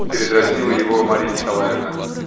-- передразнила его Марья Николаевна.